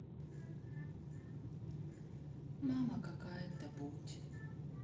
мама какая то будь